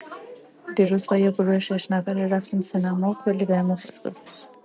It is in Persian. دیروز با یه گروه شش‌نفره رفتیم سینما و کلی بهمون خوش گذشت.